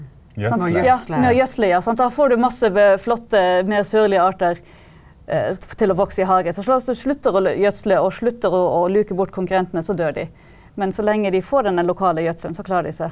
ja med å gjødsle ja sant da får du masse flotte mer sørlige arter til å vokse i hagen så du slutter å gjødsle og slutter å å luke bort konkurrentene så dør de, men så lenge de får denne lokale gjødselen så klarer de seg.